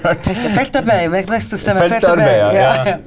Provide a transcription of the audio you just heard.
feltarbeid mest ekstreme feltarbeid ja ja.